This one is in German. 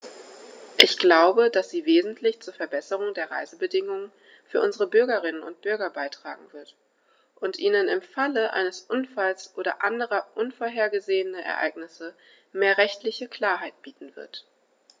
Ich glaube, dass sie wesentlich zur Verbesserung der Reisebedingungen für unsere Bürgerinnen und Bürger beitragen wird, und ihnen im Falle eines Unfalls oder anderer unvorhergesehener Ereignisse mehr rechtliche Klarheit bieten wird.